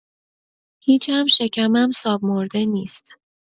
هیچم شکمم صاب مرده نیست!